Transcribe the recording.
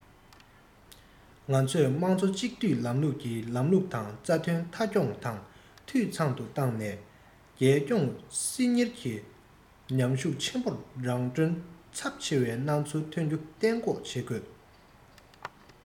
ང ཚོས དམངས གཙོ གཅིག སྡུད ལམ ལུགས ཀྱི ལམ ལུགས དང རྩ དོན མཐའ འཁྱོངས དང འཐུས ཚང དུ བཏང ནས རྒྱལ སྐྱོང སྲིད གཉེར གྱི མཉམ ཤུགས ཆེན པོ རང གྲོན ཚབས ཆེ བའི སྣང ཚུལ ཐོན རྒྱུ གཏན འགོག བྱེད དགོས